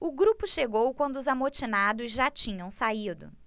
o grupo chegou quando os amotinados já tinham saído